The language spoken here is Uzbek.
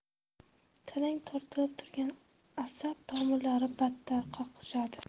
tarang tortilib turgan asab tomirlari battar qaqshadi